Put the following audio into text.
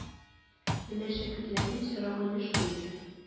Менә шәкертләрнең сораганы шул иде.